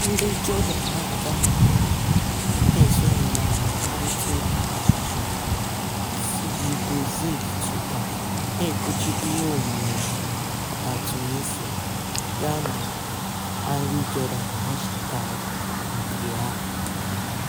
Ndị Jordan na-aga n'ihu na-esonye na mkparịta ụka #sidibouzid Twitter (na-ekpuchi ihe omume na Tunisia), yana #angryjordan hashtag nke ha.